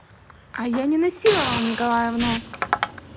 а я не насиловал николаевну